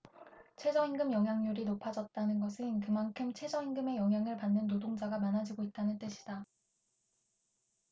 최저임금 영향률이 높아졌다는 것은 그만큼 최저임금의 영향을 받는 노동자가 많아지고 있다는 뜻이다